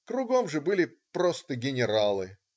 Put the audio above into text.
Кругом же были "просто генералы".